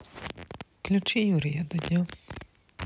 включи юрия дудя